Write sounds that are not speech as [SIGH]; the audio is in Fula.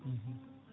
[HESITATION] [HESITATION]